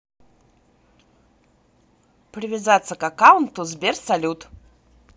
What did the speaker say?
привязаться к аккаунту сбер салют